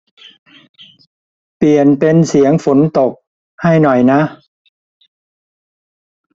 เปลี่ยนเป็นเสียงฝนตกให้หน่อยนะ